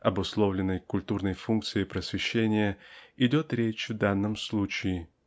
обусловленной культурною функцией просвещения идет речь в данном случае.